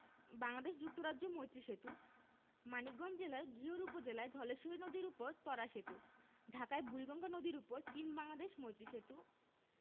বাংলাদেশ যুক্তরাজ্য মৈত্রী সেতু মানিকগঞ্জ জেলার ঘিওর উপজেলায় ধলেশ্বরী নদীর উপর ত্বরা সেতু ঢাকায় বুড়িগঙ্গা নদীর উপর চীন বাংলাদেশ মৈত্রী সেতু